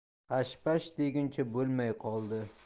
hash pash deguncha bo'lmay qoldi